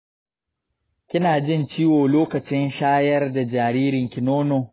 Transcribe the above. kina jin ciwo lokacin shayar da jaririnki nono?